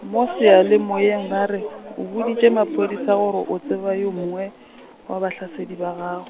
mo seyalemoyeng ba re, o boditše maphodisa goro o tseba yo mongwe , wa bahlasedi ba gagw-.